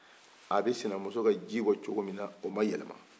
a bi sinamuso ka ji bɔ cogo min na o ma yɛlɛma